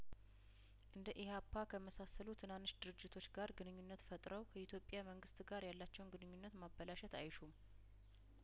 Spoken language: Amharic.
እንደ ኢህአፓ ከመሳሰሉ ትናንሽ ድርጅቶች ጋር ግንኙነት ፈጥረው ከኢትዮጵያ መንግስት ጋር ያላቸውን ግንኙነት ማበላሸት አይሹም